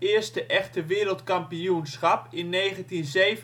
eerste echte wereldkampioenschap in 1927